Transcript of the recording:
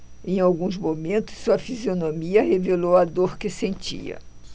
em alguns momentos sua fisionomia revelou a dor que sentia